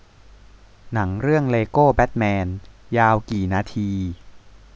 หนังเรื่องเลโกแบ็ทแมนยาวกี่นาที